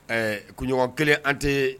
Ɛɛ kunɲɔgɔn kelen an tɛ